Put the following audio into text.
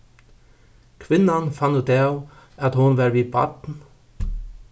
kvinnan fann útav at hon var við barn